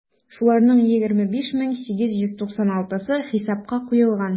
Шуларның 25 мең 896-сы хисапка куелган.